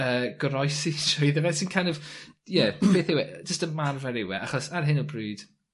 yy goroesi trwyddo fe ti kin' of... ...ie beth yw e jyst ymarfer yw e achos ar hyn o bryd